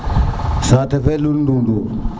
sate fe lul ndundur